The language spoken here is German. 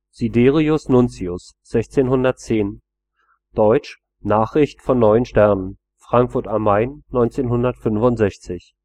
Sidereus Nuncius, 1610 deutsch: Nachricht von neuen Sternen, Frankfurt a. M. 1965